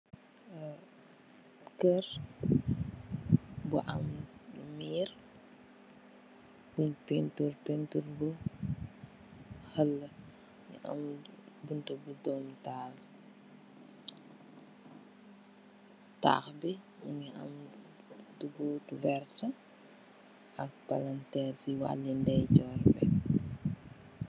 Kerr bu am merr bun painter painter bu hele am bunta bu doom taal tax be muge am tobute verte ak planter se wale ndeyjorr be.